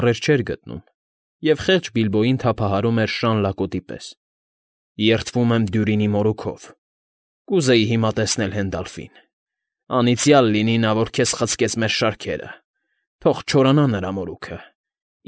Բառեր չէր գտնում և խեղճ Բիլբոյին թափահարում էր շան լակոտի պես։֊ Երդվում եմ Դյուրինի մորուքով…֊ Կուզեի հիմա տեսնել Հենդալֆին… Անիծյալ լինի նա, որ քեզ խցկեց մեր շարքերը… Թող չորանա նրա մորուքը…